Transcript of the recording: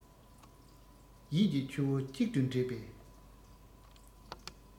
ཡིད ཀྱི ཆུ བོ གཅིག ཏུ འདྲེས པའི